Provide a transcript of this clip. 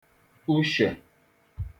ushè